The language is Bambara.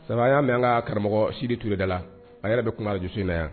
Sabu y'a mɛn an ka karamɔgɔ sidi tuurda la a yɛrɛ bɛ kun dususi in na yan